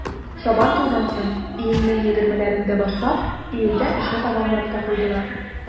Сабантуйдан соң, июньнең 20-ләрендә башлап, июльдә эшне тәмамлап та куйдылар.